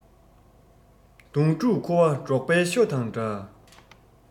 གདོང དྲུག འཁོར བ འབྲོག པའི ཤོ དང འདྲ